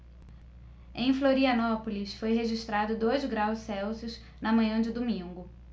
em florianópolis foi registrado dois graus celsius na manhã de domingo